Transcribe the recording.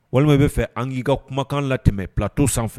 Walima bɛ fɛ an k'i ka kumakan la tɛmɛn pto sanfɛ